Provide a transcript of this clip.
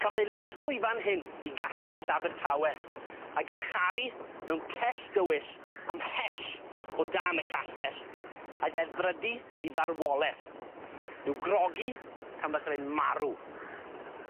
Cafodd ei lusgo i fan hyn, i Gastell Abertawe a'i garcharu mewn cell dywyll amhell o dan y castell a'i ddeddfrydu i farwoleth i'w grogi tan bysa fe'n marw.